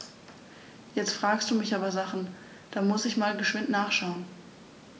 Jetzt fragst du mich aber Sachen. Da muss ich mal geschwind nachschauen.